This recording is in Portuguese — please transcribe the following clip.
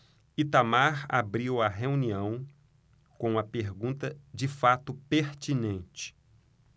itamar abriu a reunião com uma pergunta de fato pertinente